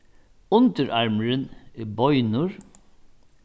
undirarmurin er beinur